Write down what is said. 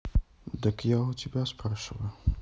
дак я у тебя спрашиваю